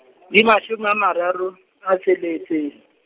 di mashome a mararo, a tsheletseng.